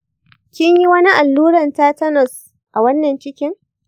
kinyi wani alluran tetanus a wannan cikin?